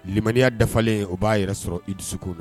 Limaniya dafalen o b'a yɛrɛ sɔrɔ i dusu la